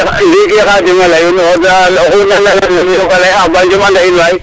ndiki Khadim a leyun oxu nana nuun a leya a ba ndiom ana in waay